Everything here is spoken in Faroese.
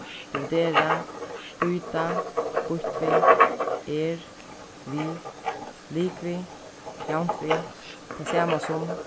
dividera býta býtt við er við ligvið javnt við tað sama sum